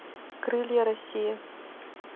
крылья россии